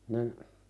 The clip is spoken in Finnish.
niin